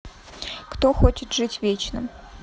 кто хочет жить вечно